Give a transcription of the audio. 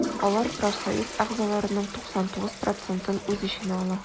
Алар профсоюз әгъзаларының 99 процентын үз эченә ала.